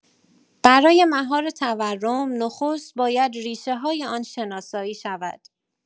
برای مهار تورم نخست باید ریشه‌های آن شناسایی شود.